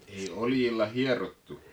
ei oljilla hierottu